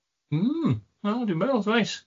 Hmm, wel, dwi'n gweld, reit.